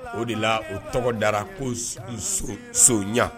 O de la o tɔgɔ dara ko sonya